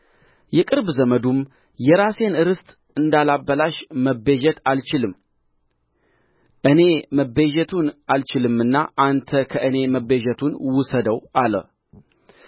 የቅርብ ዘመዱም የራሴን ርስት እንዳላበላሽ መቤዠት አልችልም እኔ መቤዠቱን አልችልምና አንተ ከእኔ መቤዠቱን ውሰደው አለ